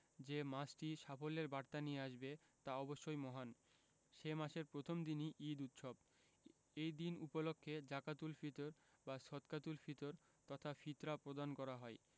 যে মাসটি সাফল্যের বার্তা নিয়ে আসবে তা অবশ্যই মহান সে মাসের প্রথম দিনই ঈদ উৎসব এই দিন উপলক্ষে জাকাতুল ফিতর বা সদকাতুল ফিতর তথা ফিতরা প্রদান করা হয়